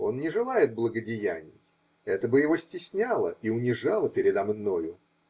Он не желает благодеяний, это бы его стесняло и унижало передо мною.